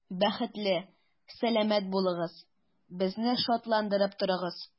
Бәхетле, сәламәт булыгыз, безне шатландырып торыгыз.